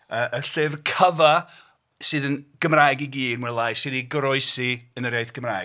Y... y llyfr cyfa sydd yn Gymraeg i gyd, mwy neu lai, sy 'di goroesi yn yr iaith Gymraeg